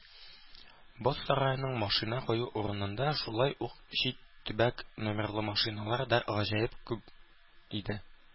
Боз сараеның машина кую урынында шулай ук чит төбәк номерлы машиналар да гаҗәеп күп иде.